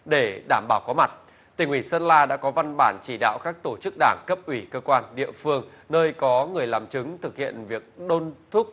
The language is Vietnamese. để đảm bảo có mặt tỉnh ủy sơn la đã có văn bản chỉ đạo các tổ chức đảng cấp ủy cơ quan địa phương nơi có người làm chứng thực hiện việc đôn thúc